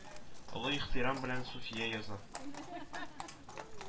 Олы ихтирам белән Суфия яза